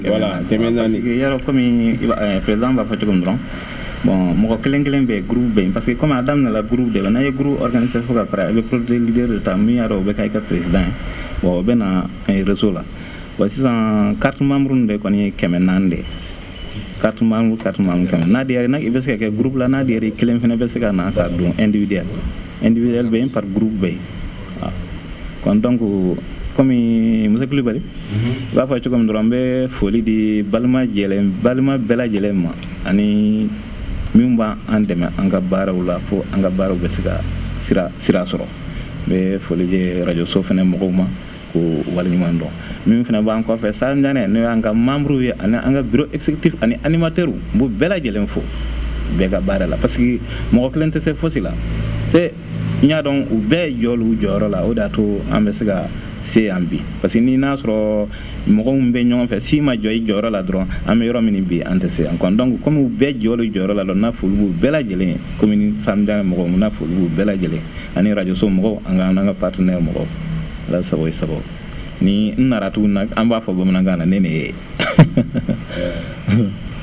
voilà